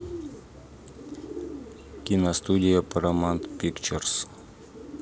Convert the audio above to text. киностудия paramount pictures